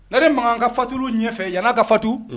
Nere mankan kan ka fatuw ɲɛfɛ yala ka fatu